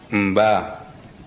nba